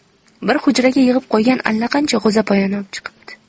bir hujraga yig'ib qo'ygan allaqancha g'o'zapoyani opchiqibdi